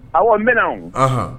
Aw n mɛn